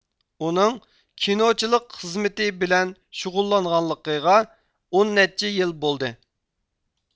ئۇنىڭ كىنوچىلىك خىزمىتى بىلەن شۇغۇللانغىنىغا ئون نەچچە يىل بولدى